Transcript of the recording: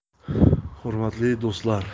hurmatli do'stlar